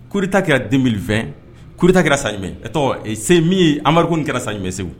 Coup d' Etat kɛra 2020 coup d' Etat kɛra san jumɛn ɛ tɔgɔ e se min yee embargo nin kɛra san jumɛn Segou